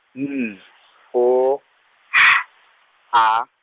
N , O, H, A.